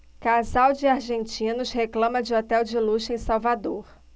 casal de argentinos reclama de hotel de luxo em salvador